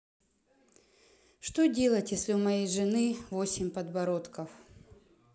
что делать если у моей жены восемь подбородков